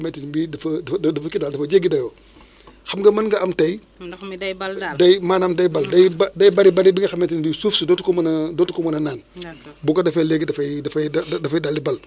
météo bu njëkk ba nga xamante ni peut être sax mën naa wax ni temps yii prévision saisonière amuloon wala bu fekkee amoon na aussi bon ampleur bi mu am léegi amu ko woon boobu temps mën naa ne xëy na mënoon nañu am yenn risques yi mais fu mu nekk léegi